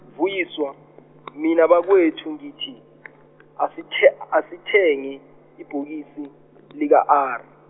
Vuyiswa, mina bakwethu ngithi asith- asithenge ibhokisi, lika R.